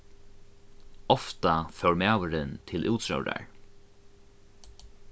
ofta fór maðurin til útróðrar